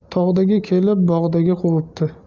tog'dagi kelib bog'dagini quvibdi